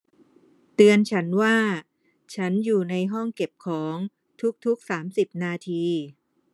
เตือนฉันว่าฉันอยู่ในห้องเก็บของทุกทุกสามสิบนาที